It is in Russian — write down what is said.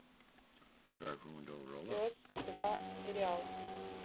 пес два сериал